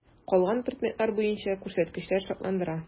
Калган предметлар буенча күрсәткечләр шатландыра.